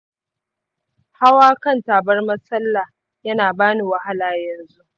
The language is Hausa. hawa kan tabarmar sallah yana bani wahala yanzu.